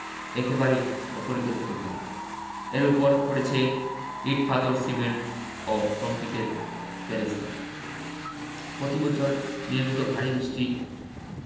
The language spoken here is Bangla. একেবারেই অপরিকল্পিতভাবে এর ওপর পড়েছে ইট পাথর সিমেন্ট ও কংক্রিটের পেলেস্তারা প্রতিবছর নিয়মিত ভারি বৃষ্টি